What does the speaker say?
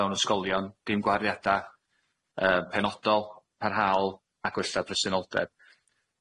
fewn ysgolion dim gwahariada yym penodol parhaol a gwella presenoldeb.